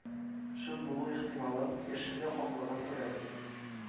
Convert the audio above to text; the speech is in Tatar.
Чын булу ихтималын, яшәргә хаклылыгын күрәбез.